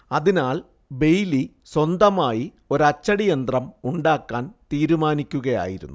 അതിനാൽ ബെയ്ലി സ്വന്തമായി ഒരു അച്ചടിയന്ത്രം ഉണ്ടാക്കാൻ തീരുമാനിക്കുകയായിരുന്നു